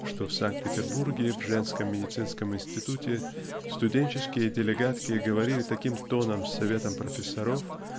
что в С. -Петербурге в женском медицинском институте студенческие делегатки говорили таким тоном с советом профессоров